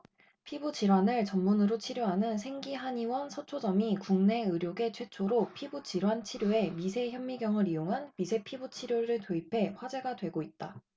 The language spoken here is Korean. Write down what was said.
피부질환을 전문으로 치료하는 생기한의원 서초점이 국내 의료계 최초로 피부질환 치료에 미세현미경을 이용한 미세피부치료를 도입해 화제가 되고 있다